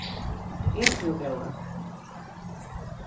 et nú góði